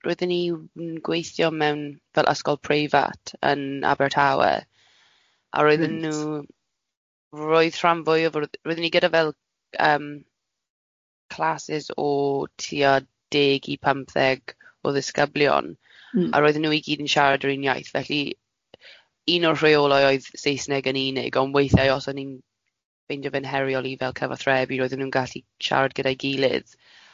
Roedden ni yn gweithio mewn fel ysgol preifat yn Abertawe... Reit. ...a roedden nhw, roedd rhan fwyaf o roedd roedden ni gyda fel yym classes o tua deg i pymtheg o ddisgyblion... M-hm. ...a roedden nhw i gyd yn siarad yr un iaith, felly un o'r rheolau oedd Saesneg yn unig, ond weithiau os o'n i'n ffeindio fe'n heriol i fel cyfathrebu roedden nhw'n gallu siarad gyda'i gilydd.